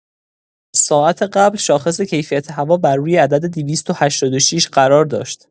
ساعت قبل شاخص کیفیت هوا بر روی عدد ۲۸۶ قرار داشت.